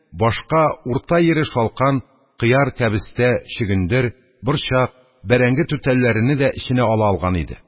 Башка – урта йире шалкан, кыяр, кәбестә, чөгендер, борчак, бәрәңге түтәлләрене дә эченә ала алган иде.